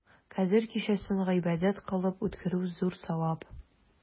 Кадер кичәсен гыйбадәт кылып үткәрү зур савап.